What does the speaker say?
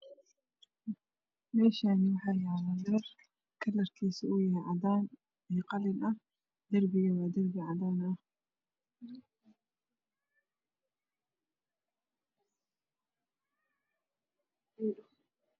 Meshani waxa yaalo leer kalarkiisa uyahay cadan iyo qalin derbigana waaderbicadan ah